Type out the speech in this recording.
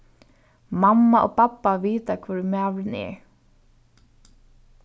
mamma og babba vita hvør ið maðurin er